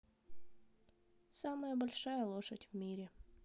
самая большая лошадь в мире